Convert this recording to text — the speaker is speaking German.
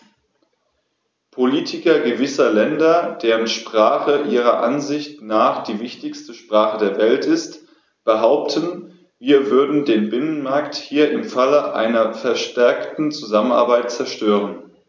Politiker gewisser Länder, deren Sprache ihrer Ansicht nach die wichtigste Sprache der Welt ist, behaupten, wir würden den Binnenmarkt hier im Falle einer verstärkten Zusammenarbeit zerstören.